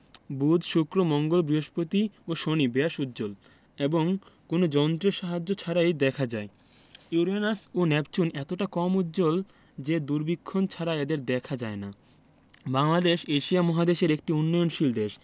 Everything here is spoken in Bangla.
বুধ শুক্র মঙ্গল বৃহস্পতি ও শনি বেশ উজ্জ্বল এবং কোনো যন্ত্রের সাহায্য ছাড়াই দেখা যায় ইউরেনাস ও নেপচুন এতটা কম উজ্জ্বল যে দূরবীক্ষণ ছাড়া এদের দেখা যায় না বাংলাদেশ এশিয়া মহাদেশের একটি উন্নয়নশীল দেশ